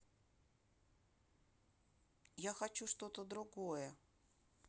я хочу что то другое